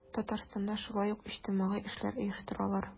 Татарстанда шулай ук иҗтимагый эшләр оештыралар.